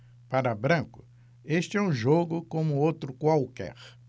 para branco este é um jogo como outro qualquer